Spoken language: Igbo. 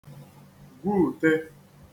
gwuùte